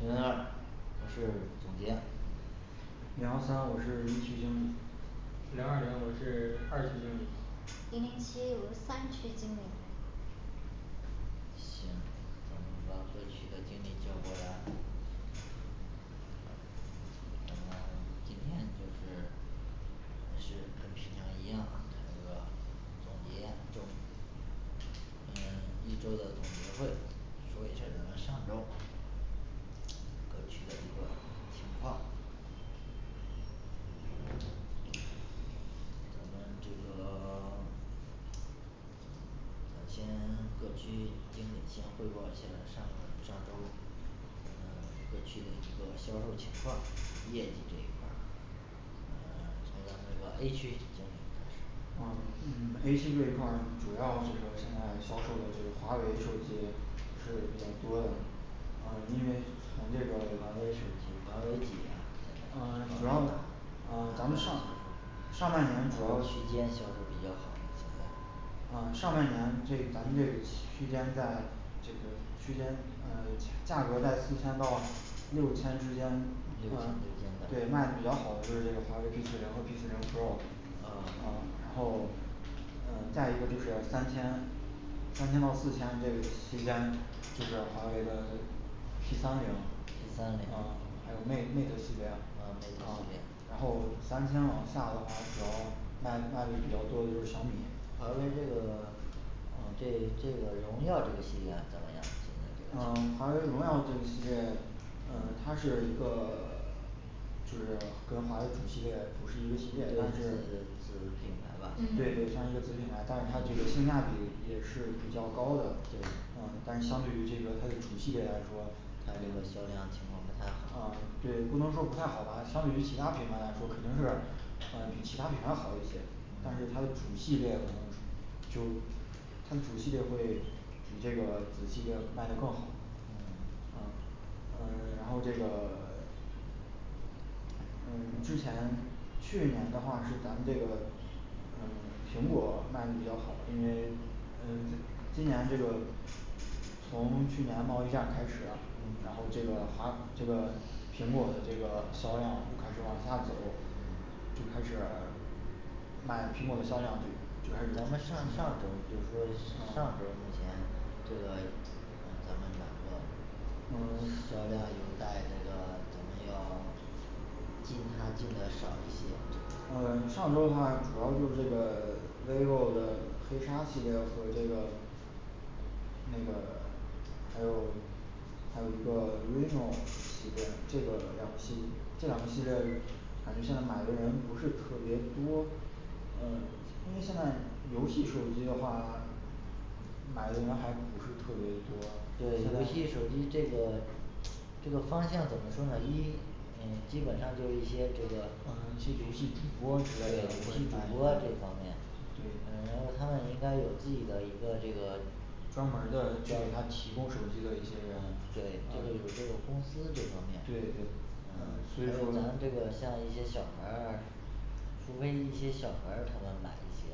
零零二我是总监零幺三我是一区经理零二零我是二区经理零零七我是三区经理行把各区的经理叫过来嗯咱们今天就是还是跟平常一样开那个总结嗯一周的总结会说一下儿咱们上周儿各区的一个情况咱们这个 咱先各区经理先汇报一下上上周呃 各区一个销售情况业绩这一块儿呃从那个A区先开始嗯A区这块儿主要这个现在销售的这个华为手机是比较多的，呃因为从这个华为手机华为几啊呃主要呃咱们上上半年主主要要是区间销售比较好今年嗯上半年这咱们这个区间在这个区间呃价格在四千到六千之间六千嗯之间对的卖的比较好就是这个华为P四零和P四零pro哦嗯然后嗯再一个就是三千三千到四千这个期间就是华为的 P三零 P三零啊还有魅魅特系列嗯魅特系然列后三千往下的话卖卖的比较多的就是小米华为这个 你这这个荣耀这个系列怎么样呃华为荣耀这个系列呃它有一个 就是跟华为主系列不是一个系列，对对算算是是一个子品牌吧嗯子品牌，但是它这个性价比也是比较高的对嗯但相对于它的主系列来说它这个销量情况不太好嗯对不能说不太好吧相对于其它品牌来说肯定是嗯比其它品牌好一些但是它的主系列就它主系列会比这个子系列卖的更好嗯嗯呃 然后这个 嗯 之前去年的话是咱们这个嗯苹果卖的比较好，因为嗯今年这个从去年贸易战开始，然后这嗯个华这个苹果的这个销量开始往下走，就嗯开始买苹果的销量就 就开始咱们上上周嗯就说上周目前这个咱们哪个嗯进它进的少一些。呃上周的话主要就是这个vivo的黑鲨系列和这个那个 还有还有一个vivo这个这个两个系这两个系列咱们现在买的人不是特别多呃因为现在游戏手机的话买的人还不是特别多对游戏手机这个这个方向怎么说呢，一嗯基本上就是一些这个嗯游戏直播之类游的戏直播这方面对然后他们应该有自己的一个这个专门儿的去给他提供手机的一些人对这个有这个公司这方面对对。嗯嗯所以说咱这个像一些小孩儿除非一些小孩儿他们买一些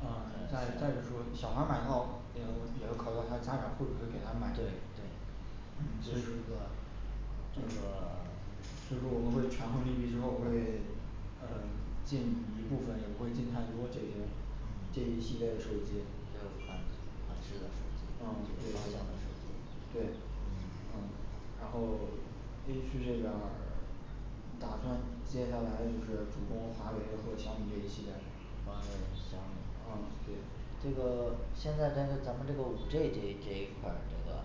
呃再再者说小孩儿买的话也也考虑到他家长会不会给他买对对所以说这个这个 嗯这个款款式的手机嗯嗯所以说我们会权衡利弊之后会呃进一部分，也不会进太多这个这一系嗯列的手机这个款款式的嗯手机对嗯嗯嗯然后A区这边儿打算接下来就是主攻华为和小米这一系列华为小米嗯对这个现在咱们这个五G这这块这个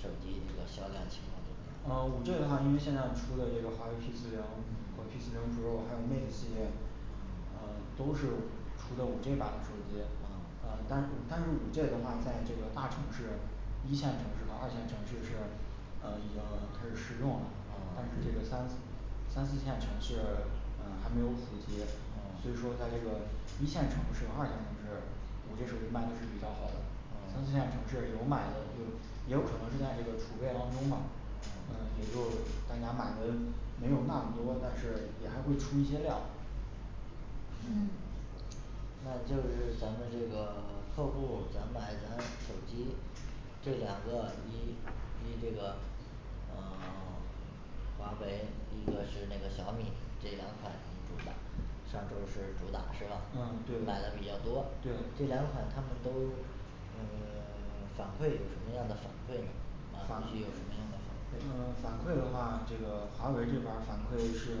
手机这个销量现在嗯五G的话因为现在出的这个华为P四零和P四嗯零pro还有魅特系列嗯都是出的五G版手机呃嗯但是但是五G的话在这个大城市一线城市和二线城市是呃已经是试用了但是这个哦三三四线城市呃还没有普及所以说嗯在这个一线城市二线城市五G手机卖的是比较好的三四嗯线城市有买的有 有可能是在这个储备当中嘛嗯嗯也就大家买的没有那么多，但是也还会出一些量嗯那就是咱们这个 客户咱买咱的手机，这两个一一这个呃 华为一个是那个小米这两款主打上周是主打是吧恩这对买的比较多，这对两款他们都呃 反馈有什么样的反馈呢嗯反馈的话这个华为这边儿反馈是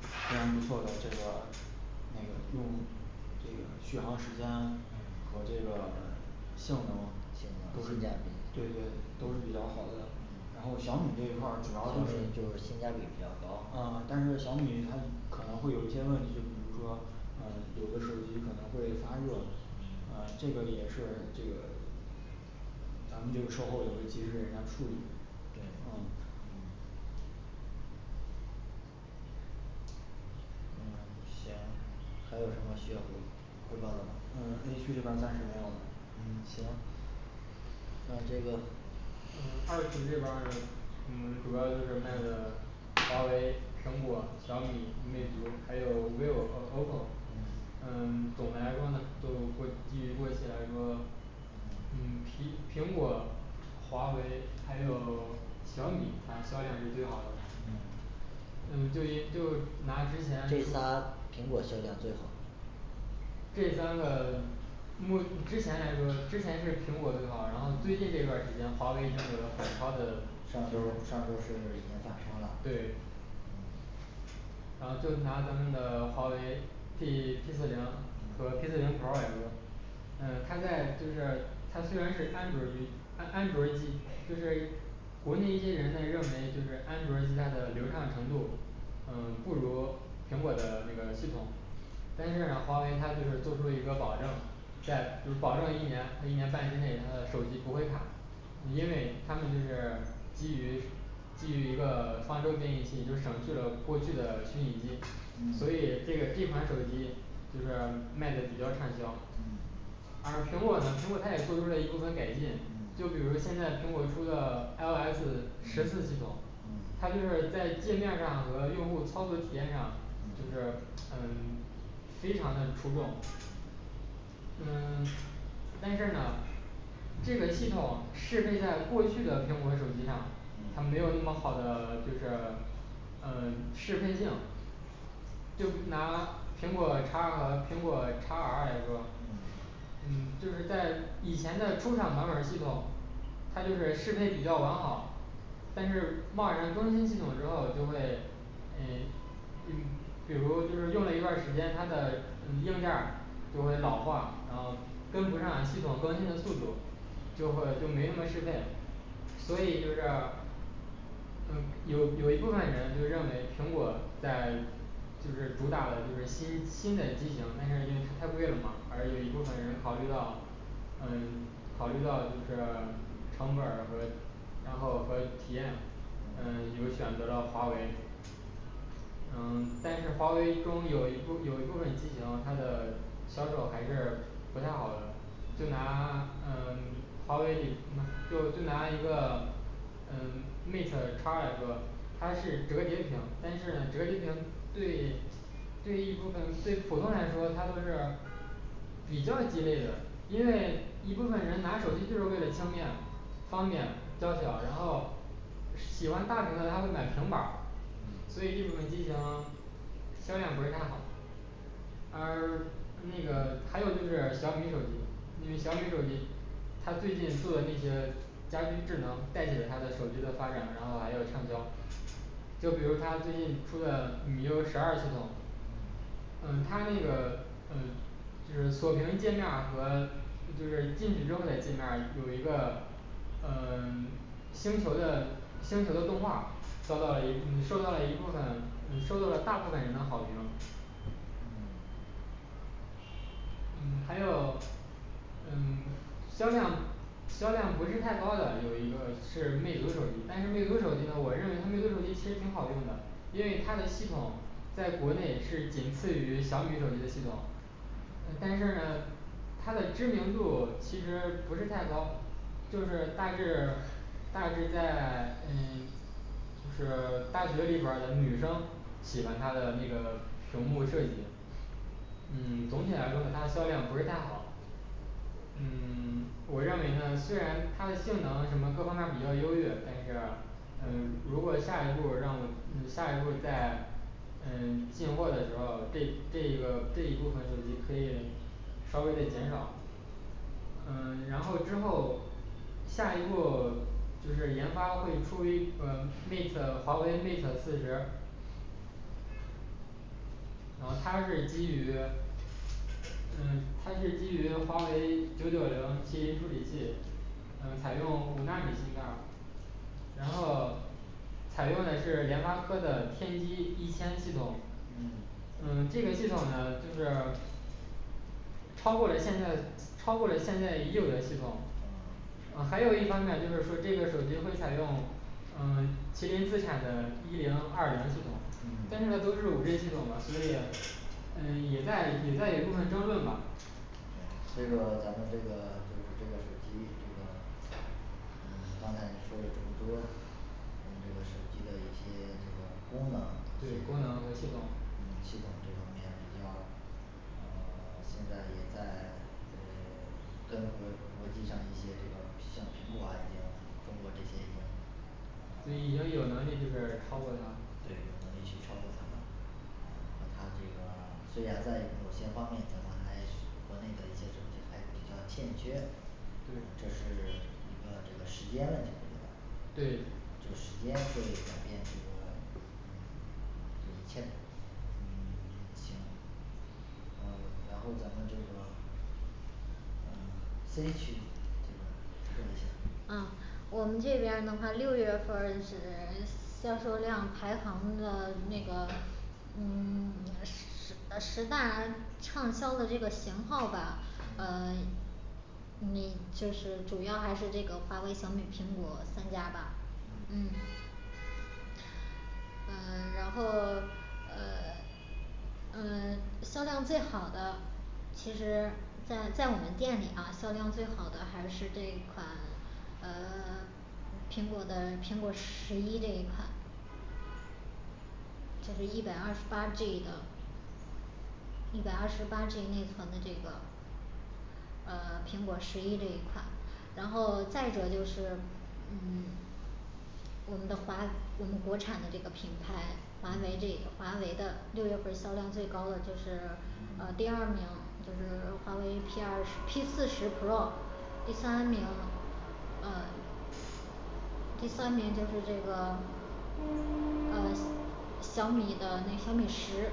非常不错的这个那个用这个续航时间和这嗯个性能性对对能性价比都是比较好的然后小米这一块儿主要就就是是性价比比较高嗯但是小米它可能会有一些问题，比如说嗯有的手机可能会发热，嗯嗯这个也是这个咱们这个售后也会及时给他处理嗯对嗯嗯行还有什么需要补补到的嗯吗 A区这边儿暂时不用嗯行那这个嗯二区这边儿呢嗯主要就是卖的华为苹果、小米、魅族，还有vivo和oppo。嗯嗯 总的来说呢就会继续做起来说嗯嗯皮 苹果华为还有小米它销量是最好的嗯。嗯对就拿之前这三苹果销量最好这三个目之前来说之前是苹果最好，然后最近这段儿时间华为已经有了很高的上周儿上周儿已经是反超了对嗯然后就拿咱们的华为P P四零和P四零pro来说呃他在就是他虽然是安卓儿机安安卓儿机就是国内一些人们认为就是安卓儿机他的流畅程度呃不如苹果的那个系统但是呢华为他就是做出了一个保证。在就是保证一年一年半之内他的手机不会卡因为他们就是基于基于一个方舟编译器，就是省去了过去的虚拟机，所嗯以这个这款手机就是卖的比较畅销嗯而苹果呢苹果它也做出了一部分改进，就嗯比如现在苹果出的I O S十四系统，它嗯就是在界面儿上和用户操作体验上嗯就是嗯非常的出众嗯 但是呢这个系统适配在过去的苹果手机上，它嗯没有那么好的就是呃 适配性就拿苹果X和苹果X R来说嗯，嗯就是在以前的出厂版本儿系统，它就是适配比较完好但是贸然更新系统之后就会呃嗯比如就是用了一段儿时间，它的嗯硬件儿就会老化，然后跟不上系统更新的速度就会就没那么适配所以就是嗯有有一部分人就认为苹果在就是主打的就是新新的机型，但是因为太贵了嘛，还是有一部分人考虑到嗯考虑到就是 成本儿和然后和体验，嗯也嗯就选择了华为嗯但是华为中有一有部一部分机型，它的销售还是不太好的，就拿呃华为嗯就就拿一个嗯魅特X来说，它是折叠屏，但是呢折叠屏对对于一部分对普通人来说它就是比较激烈的，因为一部分人拿手机就是为了轻便方便娇小然后喜 喜欢大屏的他会买平板儿，所嗯以这部分机型销量不是太好而那个还有就是小米手机，因为小米手机他最近做的那些家居智能带起了他的手机的发展，然后还有畅销就比如他最近出了米U十二系统呃它那个呃就是锁屏界面儿和就是进去之后的界面有一个呃 星球的星球的动画儿遭到了一嗯受到一部分嗯受到了大部分人的好评嗯还有嗯 销量销量不是太高的，有一个是魅族手机，但是魅族手机呢，我认为它魅族手机其实挺好用的。 因为它的系统在国内是仅次于小米手机的系统呃但是呢它的知名度其实不是太高，就是大致大致在嗯就是 大学里边儿的女生喜欢它的那个屏幕设计，嗯总体来说它销量不是太好嗯 我认为呢虽然它的性能什么各方面儿比较优越，但是嗯如果下一步儿让嗯下一步儿再嗯进货的时候这这个这一部分手机可以稍微的减少。嗯然后之后下一步就是研发会出一呃mate华为mate四十然后他是基于嗯他是基于华为九九零麒麟处理器，嗯采用无纳米芯片儿然后采用嘞是联发科的天玑一千系统，嗯嗯这个系统呢就是超过了现在超过了现在已有的系统嗯呃还有一方面就是说这个手机会采用嗯麒麟自产的一零二零系统，但是呢嗯都是五G系统的，所以嗯也在也在有一部分争论吧嗯这个咱们这个这这个手机这个嗯刚才说了这么多我们这个手机的一些这个功能对功能和系统嗯系统这方面比较呃 现在也在嗯 跟国国际上一些这个像苹果啊一样，中国这些一样。对，已经有能力就是超过它对有能力去超过它啦呃和它这个 虽然在某些方面，咱们还是国内的一些手机还比较欠缺，这对是 一个这个时间问题我觉得对这时间会改变这个 嗯 这一切的嗯 行嗯然后咱们这个嗯 C区这边儿说一下嗯我们这边的话六月份儿是销售量排行的那个嗯 十十大畅销的这个型号吧呃 那就是主要还是这个华为、小米、苹果三家吧嗯呃 然后呃 嗯 销量最好的，其实在在我们店里啊销量最好的还是这一款呃 苹果的苹果十一这一款就是一百二十八G的，一百二十八G内存的这个呃 苹果十一这一款然后再者就是嗯 我们的华我们国产的这个品牌，华为这个华为的六月份儿销量最高的就是 呃第二嗯名就是华为P二十P四十pro，第三名呃第三名就是这个呃小米的那小米十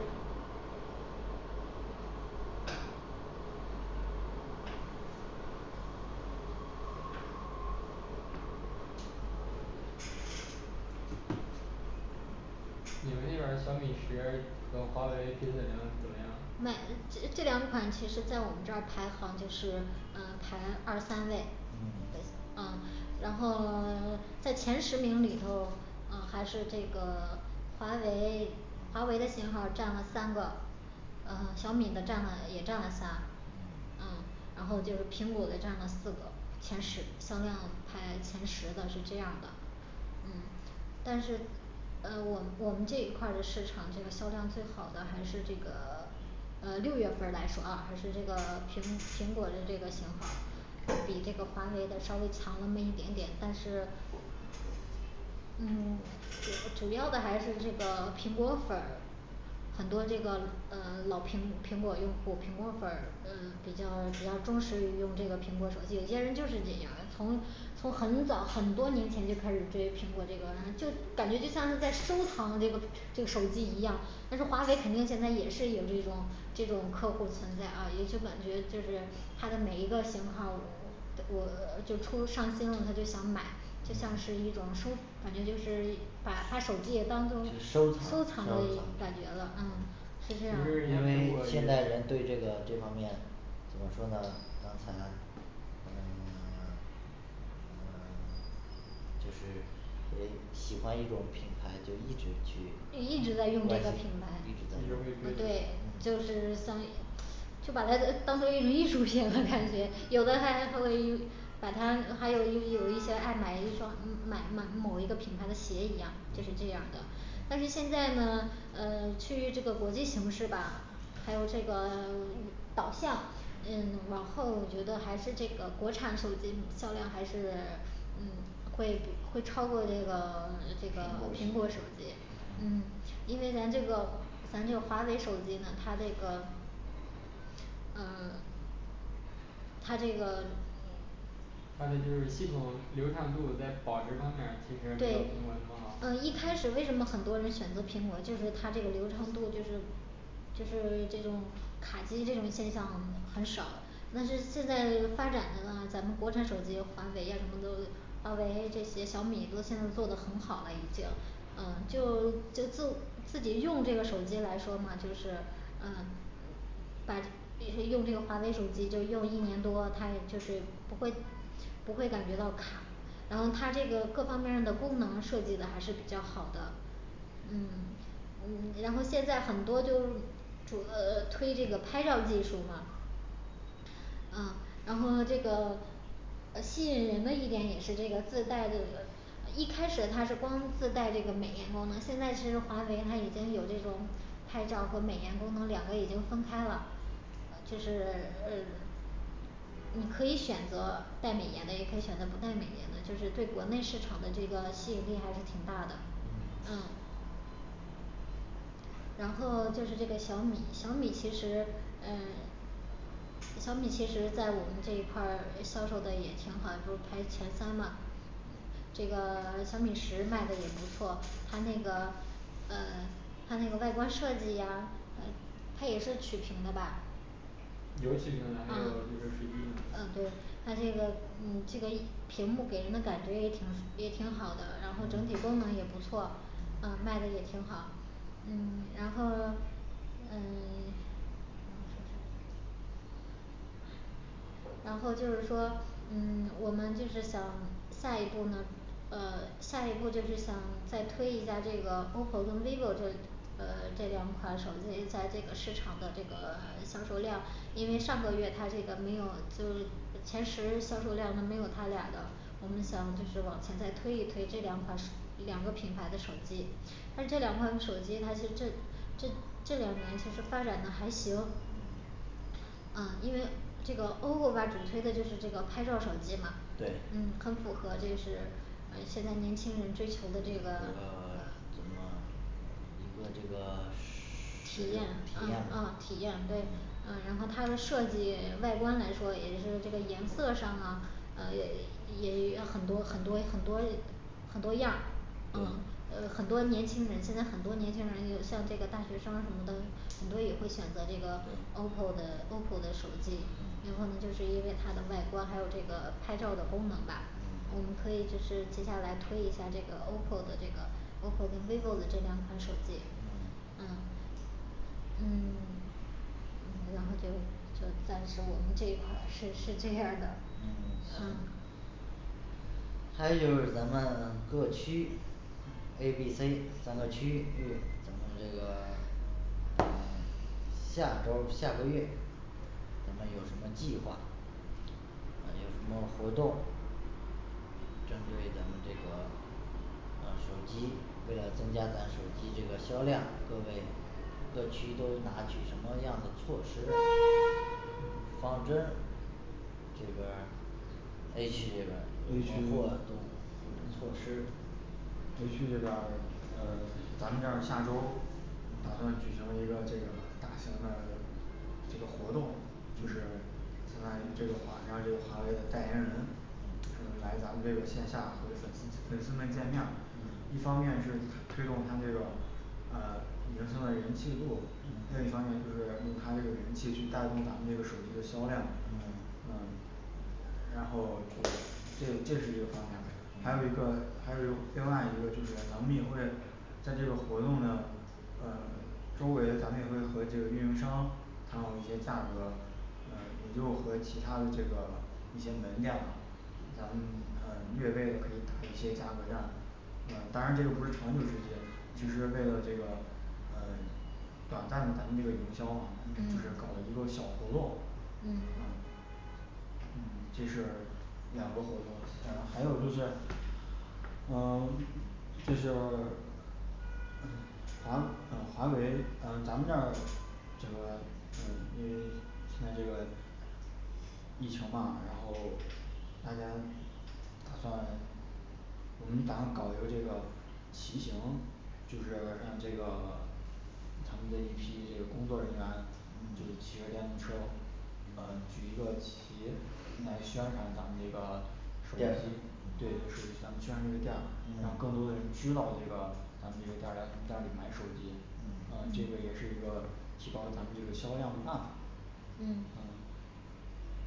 你们那边儿小米十和华为P四零怎么样买呃这这两款其实在我们这儿排行就是呃排二三位嗯呃嗯，然后 在前十名里头呃还是这个华为华为的型号儿占了三个，呃小米的占了也占了仨，嗯嗯然后这个苹果的占了四个，前十销量排前十的是这样的嗯但是呃我我们这一块儿的市场这个销量最好的还是这个 呃六月份儿来说哦还是这个苹苹果的这个型号儿，比这个华为的稍微强了那么一点点，但是嗯 主主要的还是这个苹果粉儿很多这个呃 老苹苹果儿用户儿苹果粉儿呃比较比较忠实于用这个苹果手机，有些人就是这样，从从很早很多年前就开始追苹果，这个然后就感觉就像是在收藏的这个这个手机一样。但是华为肯定现在也是有这种这种客户儿存在啊，也就感觉就是他的每一个型号儿我 我就出上新了，他就想买就像是一种收感觉就是，把把手机也当做收藏收收藏藏的感觉了嗯是这不是因样为现在人对这个这方面怎么说呢，刚才嗯 嗯 就是谁喜欢一种品牌就一直去对一直在用这个品牌对就是像就把它呃当做一种艺术品了， 感觉，有的还会把它还有有有一些爱买一双买 买嘛某一个品牌的鞋一样，就是这样的。但是嗯现在呢呃趋于这个国际形势吧还有这个 导向，嗯往后我觉得还是这个国产手机销量还是 嗯会会超过这个 这个苹苹果果手机呃嗯因为咱这个咱这个华为手机呢它这个嗯它这个那它就是系统流畅度，在保值方面儿其对嗯实一开始为什么很多人选择苹果，就是它这个流畅度就是就是这种卡机这种现象很少，但是现在发展的呢咱们国产手机华为啊什么都华为这些小米都现在做的很好了，已经呃就 就就自我自己用这个手机来说嘛就是嗯把用这个华为手机就用一年多，他也就是不会不会感觉到卡，然后他这个各方面儿的功能设计的还是比较好的嗯嗯 然后现在很多都主呃推这个拍照技术嘛嗯然后呢这个呃吸引人的一点也是这个自带的这个。一开始它是光自带这个美颜功能，现在其实华为它已经有这种拍照儿和美颜功能，两个已经分开了就是 你可以选择带美颜的，也可以选择不带美颜的，就是对国内市场的这个吸引力还是挺大的嗯嗯然后就是这个小米小米其实呃小米其实在我们这一块儿销售的也挺好，不排前三嘛这个 小米十卖的也不错，它那个呃它那个外观设计呀呃它也是曲屏的吧游戏平台还有就啊是水滴嗯屏对那这个嗯这个屏幕给人的感觉也挺也挺好的，然后整体功能也不错，嗯卖的也挺好嗯 然后 嗯 然后说什么呀然后就是说嗯 我们就是想下一步呢呃下一步就是想再推一下这个oppo跟vivo这呃这两款手机在这个市场的这个 销售量，因为上个月它这个没有就前十销售量都没有它俩的我们想就是往前再推一推这两款手两个品牌的手机，但是这两款手机它现这这这两年其实发展的还行嗯因为这个oppo它主推的就是这个拍照手机嘛嗯对很符合就是嗯现在年轻人追求的这个呃 怎么一个这个体验 嗯嗯体验对，嗯然后它的设计外观来说也是这个颜色上啊呃也也也很多，很多很多很多样儿嗯呃很多年轻人现在很多年轻人有像这个大学生儿什么的很多也会选择这个oppo的oppo的手机有嗯可能就是因为它的外观还有这个拍照的功能吧嗯我们可以就是接下来推一下这个oppo的这个 oppo跟vivo的这两款手机嗯嗯嗯 嗯然后就就暂时我们这一块儿是是这样儿的嗯嗯行还有就是咱们各区 A B C三个区域，咱们这个 嗯 下周儿下个月咱们有什么计划呃有什么活动针对咱们这个 嗯手机，为了增加咱手机这个销量各位，各区都拿取什么样的措施方针这边儿 A区这 A区边儿活动或者措施 A区这边儿呃咱们这儿下周儿打算举行一个这个大型的这个活动。就是现在以这个华让这个华为的代言人嗯来咱们这个线下和粉丝粉丝们见面儿一方面是推动它这个呃明星的人气度，另一方面就是用他这个人气去带动咱们这个手机的销量嗯嗯然后这这这是一个方面儿，还有一嗯个还有另外一个就是咱们也会在这个活动的呃周围，咱们也会和这个运营商谈好一些价格，呃也就和其他的这个一些门店，咱们呃略微的可以打一些价格战嗯当然这个不是长久之计，其实为了这个嗯短暂的咱们这个营销嘛，就是搞嗯一个小活动嗯嗯嗯这是两个活动，呃还有就是呃 这是嗯华嗯华为呃咱们这儿这个嗯嗯现在这个疫情嘛然后大家打算我们打算搞一个这个骑行就是让这个预备一批这个工作人员就骑着电动车嗯举一个旗来宣传咱们这个对，就是嗯宣宣传这个店儿，然后更多嗯的需要这个咱们这个大家从店儿里买手机，嗯嗯这个也嗯是一个提高咱们这个销量的办法嗯嗯